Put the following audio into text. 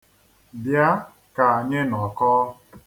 Bịa ka anyị nọkọọ.